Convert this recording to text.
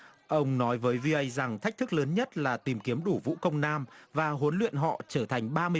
ông nói với vi ây rằng thách thức lớn nhất là tìm kiếm đủ vũ công nam và huấn luyện họ trở thành ba mươi